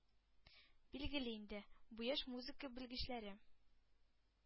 Билгеле инде, бу яшь музыка белгечләре